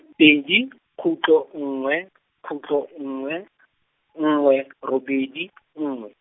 pedi , khutlo nngwe , khutlo nngwe , nngwe , robedi, nngwe.